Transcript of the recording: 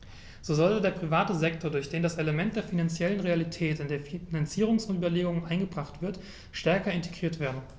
So sollte der private Sektor, durch den das Element der finanziellen Realität in die Finanzierungsüberlegungen eingebracht wird, stärker integriert werden.